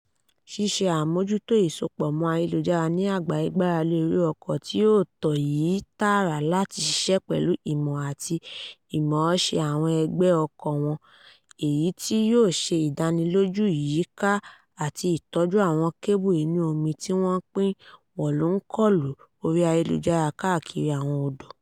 Ṣíṣe àmójútó ìsopọ̀ mọ́ ayélujára ní àgbáyé gbára lé irú ọkọ̀ tí ó tọ́ yìí tààrà láti ṣiṣẹ́, pẹ̀lú ìmọ̀ àti ìmọ̀ọ́ṣe àwọn ẹgbẹ́ ọkọ̀ wọn, èyí tí yóò ṣe ìdánilójú ìyíká àti ìtọ́jú àwọn kébù inú omi tí wọ́n ń pín wọ́lù-ǹ-kọlù orí ayélujára káàkiri àwọn odò.